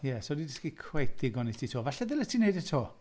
Ie, so 'di dysgu cweit digon i ti eto. Falle ddylai ti wneud e eto.